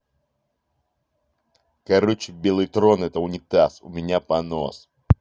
короче белый трон это унитаз у меня понос